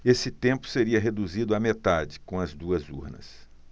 esse tempo seria reduzido à metade com as duas urnas